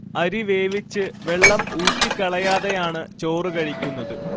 അരി വേവിച്ച് വെള്ളം ഊറ്റിക്കളയാതെയാണ് ചോറ് കഴിക്കുന്നത്